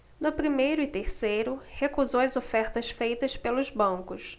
no primeiro e terceiro recusou as ofertas feitas pelos bancos